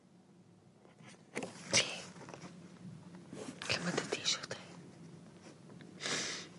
Ti. Lle ma' dy dissiw di?